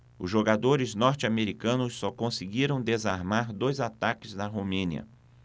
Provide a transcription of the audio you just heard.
os jogadores norte-americanos só conseguiram desarmar dois ataques da romênia